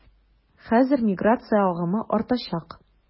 Хәзер миграция агымы артачак.